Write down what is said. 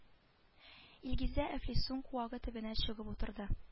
Илгизә әфлисун куагы төбенә чыгып утырды